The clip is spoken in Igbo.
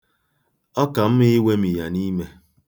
Ọ ka mma iwemi ya n'ime.